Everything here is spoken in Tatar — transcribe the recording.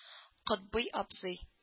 — котбый абзый